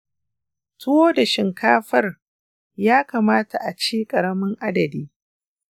tuwo da shinkafar ya kamata a ci ƙaramin adadi.